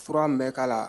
Fura min bɛ kɛ la